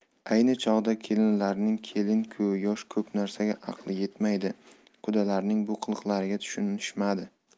ayni chog'da kelinlarining kelin ku yosh ko'p narsaga aqli yetmaydi qudalarining bu qiliqlariga tushunishmadi